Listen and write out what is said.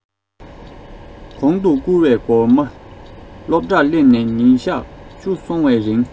གོང དུ བསྐུར བའི སྒོར མ སློབ གྲྭར སླེབས ནས ཉིན གཞག བཅུ སོང བའི རིང